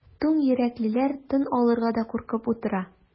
Туң йөрәклеләр тын алырга да куркып утыра.